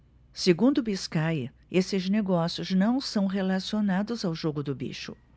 segundo biscaia esses negócios não são relacionados ao jogo do bicho